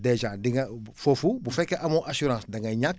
dèjà di nga foofu bu fekkee amoo assurance da ngay ñàkk